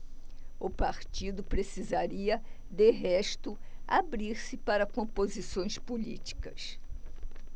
o partido precisaria de resto abrir-se para composições políticas